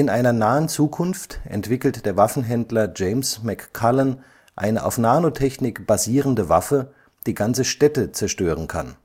einer nahen Zukunft entwickelt der Waffenhändler James McCullen eine auf Nanotechnik basierende Waffe, die ganze Städte zerstören kann